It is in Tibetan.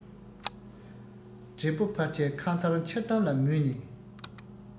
བགྲེས པོ ཕལ ཆེར ཁ མཚར འཆལ གཏམ ལ མོས ནས